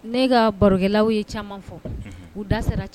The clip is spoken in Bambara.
Ne ka barolaw ye caman fɔ u da sera